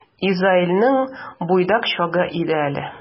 Изаилнең буйдак чагы иде әле.